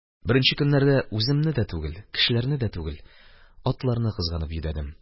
Беренче көннәрдә үземне дә түгел, кешеләрне дә түгел, атларны кызганып йөдәдем.